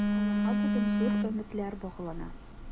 Аларга бүген зур өметләр баглана.